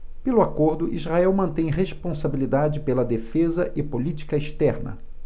pelo acordo israel mantém responsabilidade pela defesa e política externa